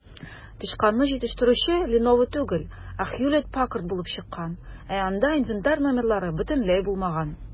Тычканны җитештерүче "Леново" түгел, ә "Хьюлетт-Паккард" булып чыккан, ә анда инвентарь номерлары бөтенләй булмаган.